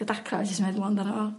ma' dacra jyst meddwl amdano fo.